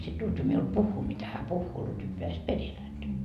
sitten Lutvi minulle puhuu mitä hän puhuu Lutvi pääsi perille häntä